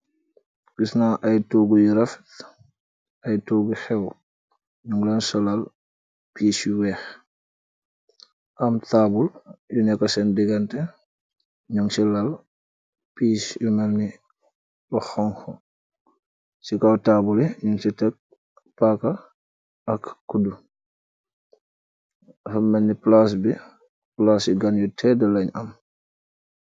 Gisnaa ay toogu yu rafet. Ay toogu xew ñom lañ solal piis yu weex. Am taabul yu nekko seen digante. ñoing si lal piis yu melni yu xooñxu. Ci kaw taabuli ñung si tëk paaka ak kuddu. Dafa melni palas bi palas yu gan yu tëdda lañ.